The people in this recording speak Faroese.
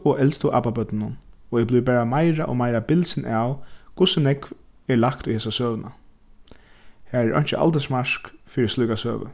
og elstu abbabørnunum og eg blívi bara meira og meira bilsin av hvussu nógv er lagt í hesa søguna har er einki aldursmark fyri slíka søgu